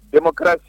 Jama